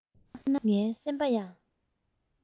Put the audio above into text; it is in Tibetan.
ཧད ན ངའི སེམས པ ཡང